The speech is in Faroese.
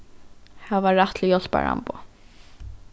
hava rætt til hjálparamboð